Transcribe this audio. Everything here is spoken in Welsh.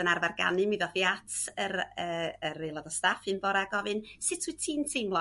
yn arfar ganu mi ddoth i at yr y yr aelod o staff un bora a gofyn Sut wyt ti'n teimlo?